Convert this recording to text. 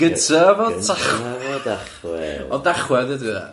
Gyntaf ond Tachwedd o Dachwedd ydio de?